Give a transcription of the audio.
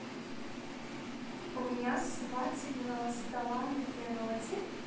у меня свадебного стола на природе